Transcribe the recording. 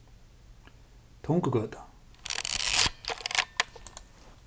tungugøta